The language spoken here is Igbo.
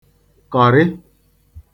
kọ̀rị